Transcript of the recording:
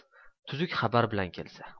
tuzuk xabar bilan kelsa